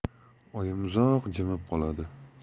oyim uzoq jimib qoladi